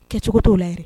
Kɛcogo tɛ'o la